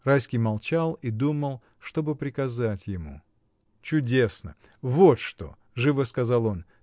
Райский молчал и думал, что бы приказать ему. — Чудесно! Вот что, — живо сказал он.